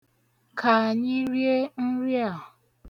Ka anyị rie nri a.